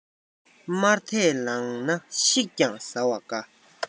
དམར དད ལངས ན ཤིག ཀྱང ཟ བ དགའ